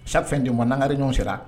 San fɛn ten wa ngare ɲɔgɔn sera